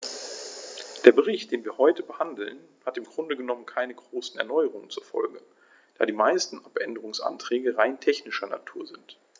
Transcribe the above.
Der Bericht, den wir heute behandeln, hat im Grunde genommen keine großen Erneuerungen zur Folge, da die meisten Abänderungsanträge rein technischer Natur sind.